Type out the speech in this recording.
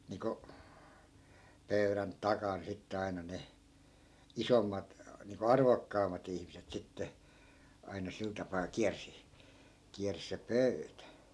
niin kuin pöydän takana sitten aina ne isommat niin kuin arvokkaammat ihmiset sitten aina sillä tapaa kiersi kiersi se pöytä